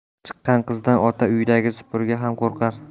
chiqqan qizdan ota uyidagi supurgi ham qo'rqar